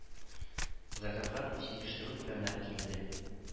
Заказлар, җитештерү күләмнәре кимеде